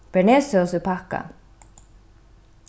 bernaisesós í pakka